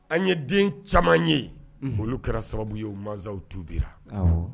An ye den caman ye olu kɛra sababu ye masaw tubira